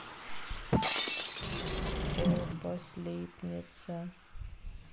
попа слипнется